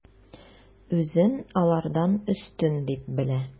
Үзен алардан өстен дип белә.